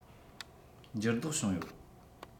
འགྱུར ལྡོག བྱུང ཡོད